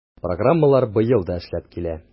Программалар быел да эшләп килә.